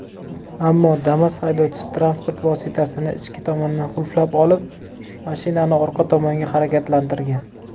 ammo damas haydovchisi transport vositasini ichki tomondan qulflab olib mashinani orqa tomonga harakatlantirgan